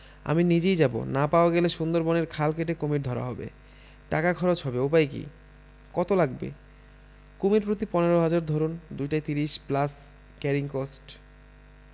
আমি নিজেই যাব না পাওয়া গেলে সুন্দরবনের খাল থেকে কুমীর ধরা হবে টাকা খরচ হবে উপায় কি কত লাগবে কুমীর প্রতি পনেরো হাজার ধরুন দুটায় ত্রিশ প্লাস ক্যারিং কস্ট